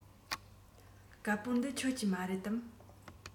དཀར པོ འདི ཁྱོད ཀྱི མ རེད དམ